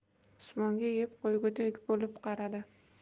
usmonga yeb qo'ygudek bo'lib qaradi